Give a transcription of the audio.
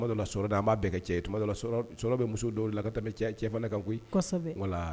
Tuma dɔ la sɔrɔda an b'a bɛɛ kɛ cɛ ye tuma dɔ la sɔrɔ bɛ muso dɔw la ka tɛmɛ cɛ fana kan koyi.